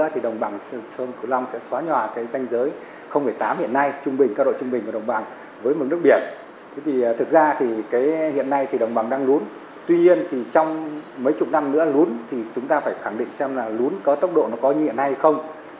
nữa thì đồng bằng sông cửu long sẽ xóa nhòa cái ranh giới không phẩy tám hiện nay trung bình cao độ trung bình của đồng bằng với mực nước biển thế thì thực ra thì cái hiện nay thì đồng bằng đang lún tuy nhiên trong mấy chục năm nữa lún thì chúng ta phải khẳng định xem là lún có tốc độ nó có như hiện nay không